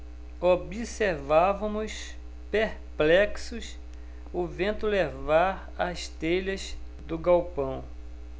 observávamos perplexos o vento levar as telhas do galpão